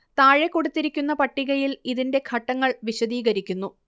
താഴെ കൊടുത്തിരിക്കുന്ന പട്ടികയിൽ ഇതിൻറെ ഘട്ടങ്ങൾ വിശദീകരിക്കുന്നു